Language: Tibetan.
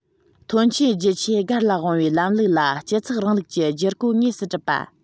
ཐོན སྐྱེད རྒྱུ ཆས སྒེར ལ དབང བའི ལམ ལུགས ལ སྤྱི ཚོགས རིང ལུགས ཀྱི བསྒྱུར བཀོད དངོས སུ གྲུབ པ